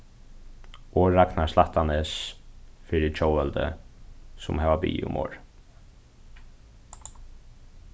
og ragnar slættanes fyri tjóðveldið sum hava biðið um orðið